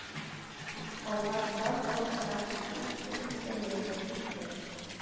Калган бар халык арасыннан, беркемгә ләм-мим бер